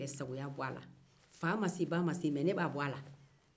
fa ma se ba ma se nka ne b'a bɔ a la